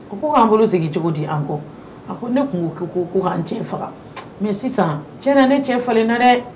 A ko k'an bolo sigi cogo di an kɔ a ko ne kun ko ko ko k'an cɛ faga mɛ sisan tiɲɛ na ne cɛ falen na dɛ